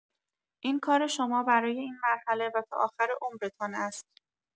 این کار شما برای این مرحله و تا آخر عمرتان است.